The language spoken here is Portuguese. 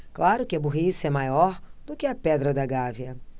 claro que a burrice é maior do que a pedra da gávea